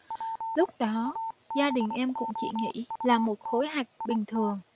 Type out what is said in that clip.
lúc đó gia đình em cũng chỉ nghĩ là một khối hạch bình thường